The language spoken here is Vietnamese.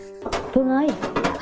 phương ơi